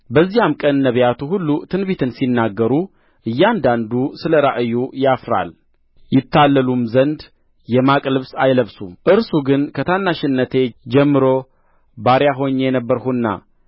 በዚያም ቀን ነቢያቱ ሁሉ ትንቢትን ሲናገሩ እያንዳንዱ ስለ ራእዩ ያፍራል ያታልሉም ዘንድ የማቅ ልብስ አይለብሱም እርሱ ግን ከታናሽነቴ ጀምሮ ባሪያ ሆኜ ነበርሁና